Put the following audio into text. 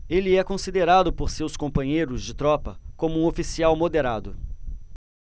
ele é considerado por seus companheiros de tropa como um oficial moderado